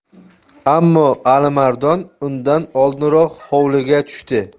ammo alimardon undan oldinroq hovliga tushdi